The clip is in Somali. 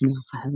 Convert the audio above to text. way cadays